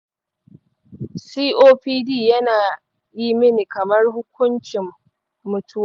copd yana yi mini kamar hukuncin mutuwa.